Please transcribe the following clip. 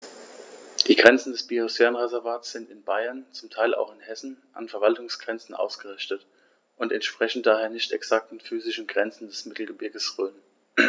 Die Grenzen des Biosphärenreservates sind in Bayern, zum Teil auch in Hessen, an Verwaltungsgrenzen ausgerichtet und entsprechen daher nicht exakten physischen Grenzen des Mittelgebirges Rhön.